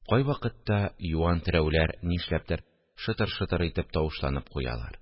Кайвакытта юан терәүләр нишләптер шытыр-шытыр итеп тавышланып куялар